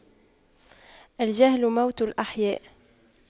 الجهل موت الأحياء